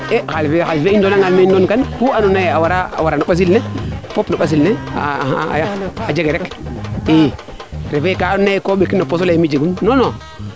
xalis fe i ndoona ngaan meen an na ñaam kan kuu andoonaye a wara no ɓasil ne fop no ɓasil ne a jega i refe kaa ando naye ko ɓekin no poose mi jegun non non